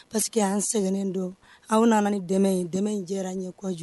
Paseke que an sɛgɛnnen don aw nana ni dɛ in dɛ in jɛra ɲɛ kɔ kojugu